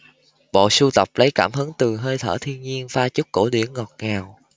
bộ sưu tập lấy cảm hứng từ hơi thở thiên nhiên pha chút cổ điển ngọt ngào